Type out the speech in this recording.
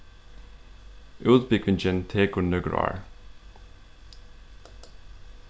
útbúgvingin tekur nøkur ár